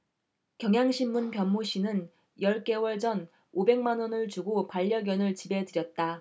경향신문 변모씨는 열 개월 전 오백 만원을 주고 반려견을 집에 들였다